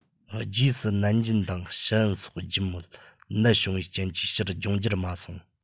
རྗེས སུ ནན ཅིན དང ཞི ཨན སོགས བརྒྱུད མོད ནད བྱུང བའི རྐྱེན གྱིས ཕྱིར ལྗོངས རྒྱུར མ སོང